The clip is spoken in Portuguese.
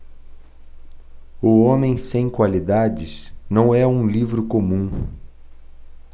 o homem sem qualidades não é um livro comum